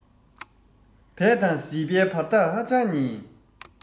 བད དང ཟིལ བའི བར ཐག ཧ ཅང ཉེ